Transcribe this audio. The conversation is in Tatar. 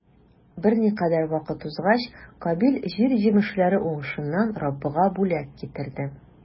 Берникадәр вакыт узгач, Кабил җир җимешләре уңышыннан Раббыга бүләк китерде.